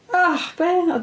O be?!